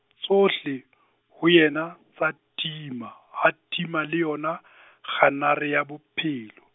tsohle, ho yena, tsa tima, ha tima le yona , kganare ya bophelo.